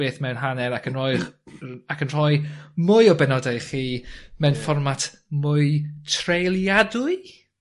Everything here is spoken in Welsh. beth mewn hanner ac yn roi'r, m-, ac rhoi mwy o benodau i chi mewn fformat mwy treuliadwy?